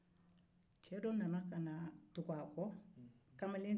cɛ dɔ nana tugu a kɔ